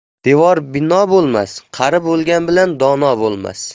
devor bino bo'lmas qari bo'lgan bilan dono bo'lmas